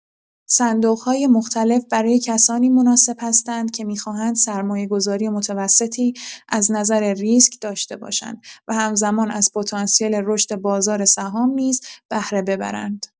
صندوق‌های مختلط برای کسانی مناسب هستند که می‌خواهند سرمایه‌گذاری متوسطی از نظر ریسک داشته باشند و همزمان از پتانسیل رشد بازار سهام نیز بهره ببرند.